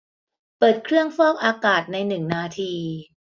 เปิดเครื่องฟอกอากาศในหนึ่งนาที